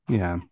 Ie.